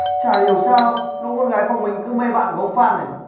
chả hiểu sao lũ con gái phòng mình cứ mê bạn của ông phan này